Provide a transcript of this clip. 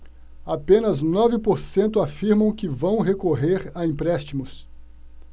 apenas nove por cento afirmam que vão recorrer a empréstimos